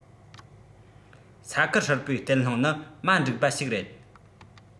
ས ཁུལ ཧྲིལ པོའི བརྟན ལྷིང ནི མ འགྲིག པ ཞིག རེད